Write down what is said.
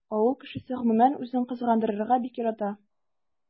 Авыл кешесе гомумән үзен кызгандырырга бик ярата.